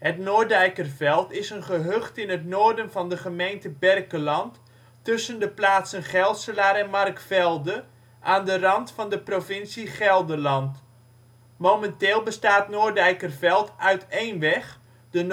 Noordijkerveld is een gehucht in het noorden van de gemeente Berkelland, tussen de plaatsen Gelselaar en Markvelde, aan de rand van de provincie Gelderland. Momenteel bestaat Noordijkerveld uit een weg (de